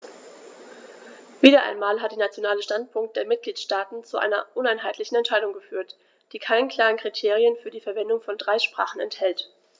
Wieder einmal hat der nationale Standpunkt der Mitgliedsstaaten zu einer uneinheitlichen Entscheidung geführt, die keine klaren Kriterien für die Verwendung von drei Sprachen enthält.